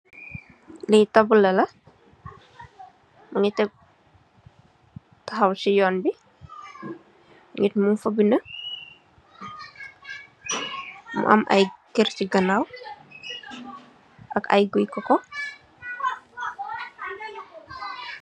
Li tabula la, mungi taxaw ci yoon bi. Nit munfa binda, mu am ay kerr see ganaw ak ay guiyi coco.